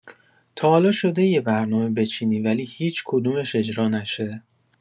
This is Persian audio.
تا حالا شده یه برنامه بچینی ولی هیچ‌کدومش اجرا نشه؟